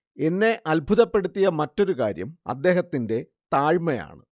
എന്നെ അദ്ഭുതപ്പെടുത്തിയ മറ്റൊരു കാര്യം അദ്ദേഹത്തിന്റെ താഴ്മയാണ്